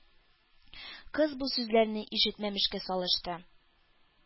Кыз бу сүзләрне ишетмәмешкә салышты.